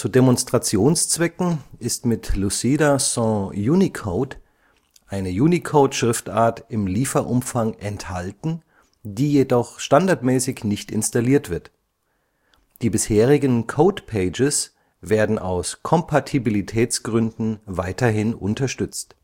Demonstrationszwecken ist mit Lucida Sans Unicode eine Unicode-Schriftart im Lieferumfang enthalten, die jedoch standardmäßig nicht installiert wird. Die bisherigen Codepages werden aus Kompatibilitätsgründen weiterhin unterstützt